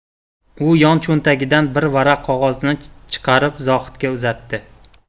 u yon cho'ntagidan bir varaq qog'oz chiqarib zohidga uzatdi